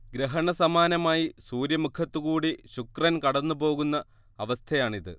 ഗ്രഹണസമാനമായി സൂര്യമുഖത്തുകൂടി ശുക്രൻ കടന്നുപോകുന്ന അവസ്ഥയാണിത്